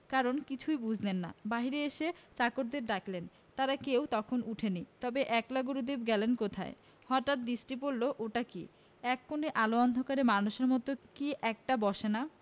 কারণ কিছুই বুঝলেন না বাইরে এসে চাকরদের ডাকলেন তারা কেউ তখনও ওঠেনি তবে একলা গুরুদেব গেলেন কোথায় হঠাৎ দৃষ্টি পড়ল ওটা কি এক কোণে আলো অন্ধকারে মানুষের মত কি একটা বসে না